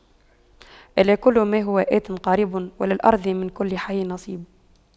ألا كل ما هو آت قريب وللأرض من كل حي نصيب